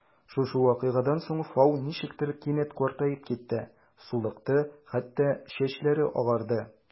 Шушы вакыйгадан соң Фау ничектер кинәт картаеп китте: сулыкты, хәтта чәчләре агарды.